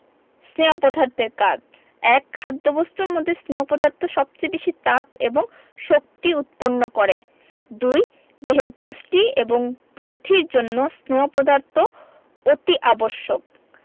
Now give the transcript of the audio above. স্নেহ পদার্থের কাজ ১. খাদ্যবস্তুর মধ্যে স্নেহ পদার্থ সবচেয়ে বেশী তাপ এবং শক্তি উৎপন্ন করে ২. দেহের পুষ্টি এবং বৃদ্ধির জন্য স্নেহ পদার্থ অতি আবশ্যক